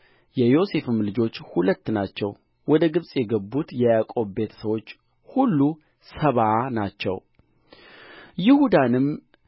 የያዕቆብ ሚስት የራሔል ልጆች ዮሴፍና ብንያም ናቸው ለዮሴፍም በግብፅ ምድር ምናሴና ኤፍሬም ተወለዱለት